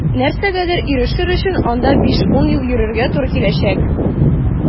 Нәрсәгәдер ирешер өчен анда 5-10 ел йөгерергә туры киләчәк.